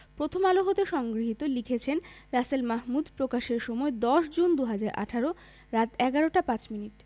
প্রথমআলো হতে সংগৃহীত লিখেছেন রাসেল মাহ্মুদ প্রকাশের সময় ১০ জুন ২০১৮ রাত ১১টা ৫ মিনিট